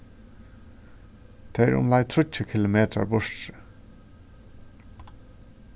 tað er umleið tríggjar kilometrar burturi